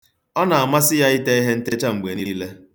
Ọ na-amasị ya ite ihentecha mgbe niile.